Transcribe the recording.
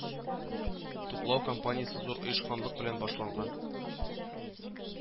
Туплау кампаниясе зур оешканлык белән башланган